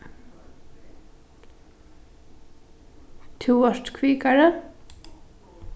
tú vart kvikari